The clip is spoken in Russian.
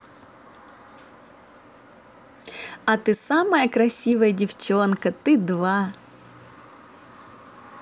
а ты самая красивая девчонка ты два